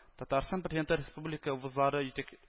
Татарстан Президенты республика вузлары җитәк